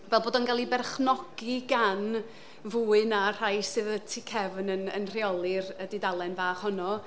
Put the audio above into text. Fel bod o'n cael ei berchnogi gan fwy na'r rhai sydd y tu cefn yn yn rheoli'r yy dudalen fach honno.